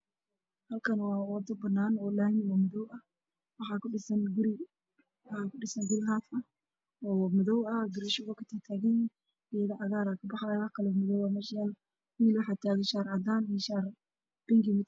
Halkan wa wado bananoo lami ah waxa ku dhisan guri haf ah ooadow ah gedo cagar aa kabaxayo aqal ba yalo madow ahwaxa tagan wiil shar cadan ah qaba